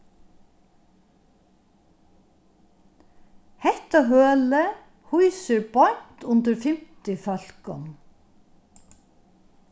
hetta hølið hýsir beint undir fimmti fólkum